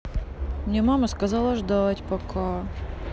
мне мама сказала жать пока